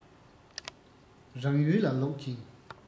རང ཡུལ ལ ལོག ཅིང